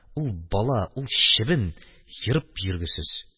Ул бала, ул чебен – ерып йөргесез.